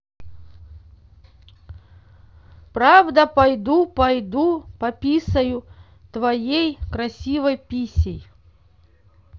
правда пойду пойду пописаю своей красивой писей